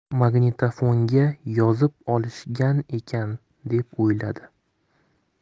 magnitofonga yozib olishgan ekan deb o 'yladi